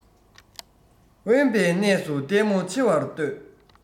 དབེན པའི གནས སུ ལྟད མོ ཆེ བར ལྟོས